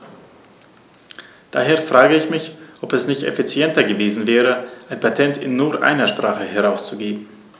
Daher frage ich mich, ob es nicht effizienter gewesen wäre, ein Patent in nur einer Sprache herauszugeben.